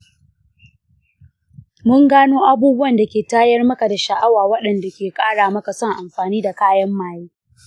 mu gano abubuwan da ke tayar maka da sha’awa waɗanda ke ƙara maka son amfani da kayan maye.